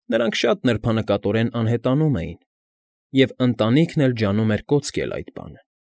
Նրանք շատ նրբանկատորեն անհետանում էին և ընտանիքն էլ ջանում էր կոծկել այդ բանը։